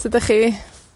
sud 'dach chi?